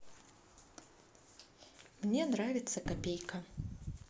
мне нравится копейка